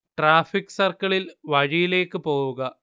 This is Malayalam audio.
ട്രാഫിക് സർക്കിളിൽ, വഴിയിലേക്ക് പോവുക